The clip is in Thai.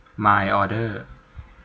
มายออเดอร์